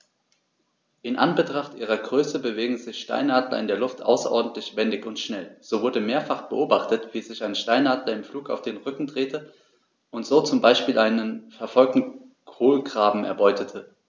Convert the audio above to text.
In Anbetracht ihrer Größe bewegen sich Steinadler in der Luft außerordentlich wendig und schnell, so wurde mehrfach beobachtet, wie sich ein Steinadler im Flug auf den Rücken drehte und so zum Beispiel einen verfolgenden Kolkraben erbeutete.